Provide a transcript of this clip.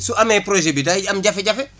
su amee projet bi day am jafe-jafe